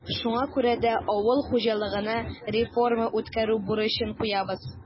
Шуңа күрә дә авыл хуҗалыгына реформа үткәрү бурычын куябыз.